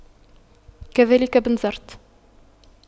كذلك بنزرت